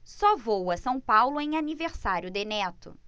só vou a são paulo em aniversário de neto